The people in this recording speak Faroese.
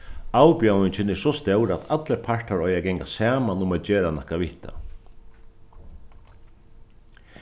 avbjóðingin er so stór at allir partar eiga at ganga saman um at gera nakað við tað